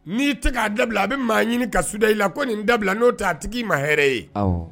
N'i tɛ k'a dabila a bɛ maa ɲini ka suda i la ko nin dabila n'o ta a tigi i ma hɛrɛ ye